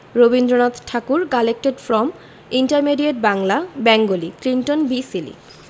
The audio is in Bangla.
Rabindranath Thakur collected from intermediate Bangla Bengali Clinton B Seely